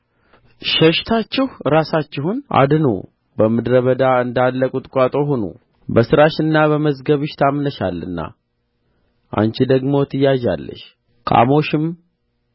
ሸሽታችሁ ራሳችሁን አድኑ በምድረ በዳ እንዳለ ቁጥቋጦ ሁኑ በሥራሽና በመዝገብሽ ታምነሻልና አንቺ ደግሞ ትያዢያለሽ ካሞሽም